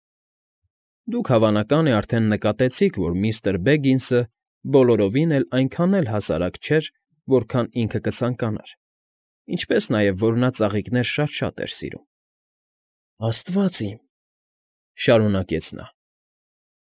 Դուք, հավանական է, արդեն նկատեցիք, որ միստր Բեգինսը բոլորովին էլ այնքան հասարակ չէր, որքան ինքը կցանկանար, ինչպես նաև, որ նա ծաղիկներ շատ֊շատ էր սիրում։ ֊ Աստվա՜ծ իմ, ֊ շարունակեց նա։ ֊